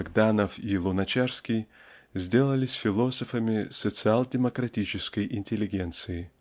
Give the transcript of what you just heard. Богданов и Луначарский сделались "философами" социал-демократической интеллигенции.